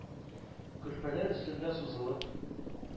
Көрпәләр өстендә сузылып,